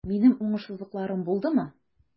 Минем уңышсызлыкларым булдымы?